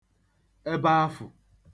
ebe afụ̀